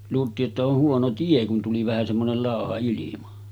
luultiin että on huono tie kun tuli vähän semmoinen lauha ilma